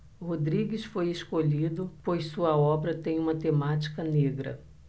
rodrigues foi escolhido pois sua obra tem uma temática negra